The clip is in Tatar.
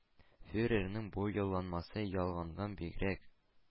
Фюрерның бу юлламасы ялганнан бигрәк,